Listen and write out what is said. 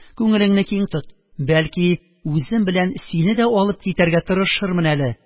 Күңелеңне киң тот, бәлки, үзем белән сине дә алып китәргә тырышырмын әле»